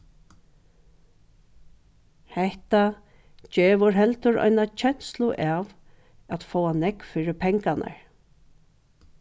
hetta gevur heldur eina kenslu av at fáa nógv fyri pengarnar